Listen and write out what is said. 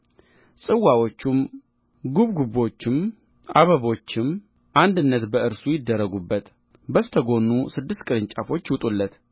ጽዋዎቹም ጕብጕቦቹም አበቦቹም አንድነት በእርሱ ይደረጉበት በስተጎኑ ስድስት ቅርንጫፎች ይውጡለት